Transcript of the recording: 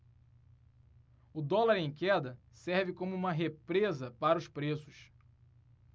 o dólar em queda serve como uma represa para os preços